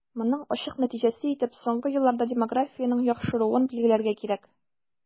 Моның ачык нәтиҗәсе итеп соңгы елларда демографиянең яхшыруын билгеләргә кирәк.